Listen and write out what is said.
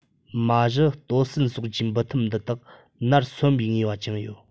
མ གཞི ལྟོ ཟན གསོག རྒྱུའི འབུ ཐུམ འདི དག ནར སོན པའི ངེས པ ཀྱང ཡོད